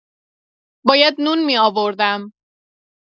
باید نون می‌آوردم.